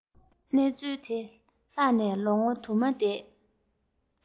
གནས ཚུལ དེ ལྷགས ནས ལོ ངོ དུ མ འདས